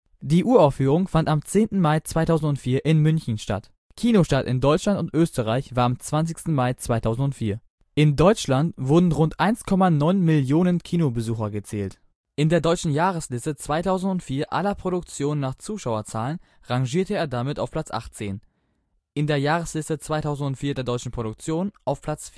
Die Uraufführung fand am 10. Mai 2004 in München statt. Kinostart in Deutschland und Österreich war am 20. Mai 2004. In Deutschland wurden rund 1,9 Millionen Kinobesucher gezählt. In der deutschen Jahresliste 2004 aller Produktionen nach Zuschauerzahlen rangierte er damit auf Platz 18, in der Jahresliste 2004 der deutschen Produktionen auf Platz